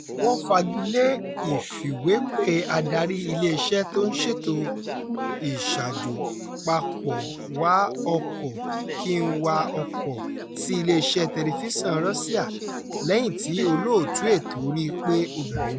Wọ́n fagi lé ìfìwépè Adarí iléeṣẹ́ tó ń ṣètò Ìṣàjò-papọ̀-wa-ọkọ̀-kí-n-wa-ọkọ̀ sí iléeṣẹ́ tẹlifíṣàn Russia lẹ́yìn tí olóòtú ètò rí i pé obìnrin ni